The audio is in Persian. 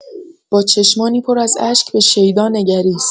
با چشمانی پر از اشک به شیدا نگریست.